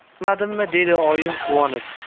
aytmadimmi dedi oyim quvonib